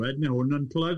Mae hwn yn plug